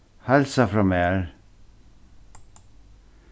heilsa frá mær